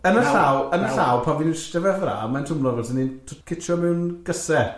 Yn y llaw, yn y llaw, pan fi'n ishte fe fel'na, mae'n twmlo fel swn i'n tw- citsio mewn gusset.